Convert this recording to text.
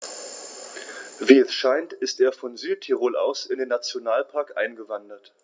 Wie es scheint, ist er von Südtirol aus in den Nationalpark eingewandert.